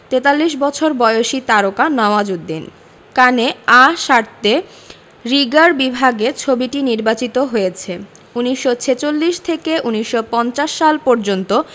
৪৩ বছর বয়সী তারকা নওয়াজুদ্দিন কানে আঁ সারতে রিগার বিভাগে ছবিটি নির্বাচিত হয়েছে ১৯৪৬ থেকে ১৯৫০ সাল পর্যন্ত